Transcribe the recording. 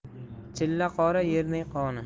chilla qori yerning qoni